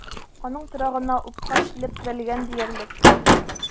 Аның торагына упкын килеп терәлгән диярлек.